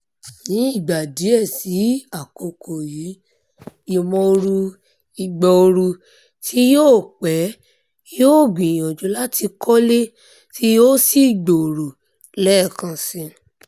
Ní ìgbà díẹ̀ sí àkókò yìí, ìmóoru ìgbà ooru tí yóò pẹ́ yóò gbìyànjù láti kọ́lé tí yóò sì gbòòrò lẹ́ẹ̀kan síi.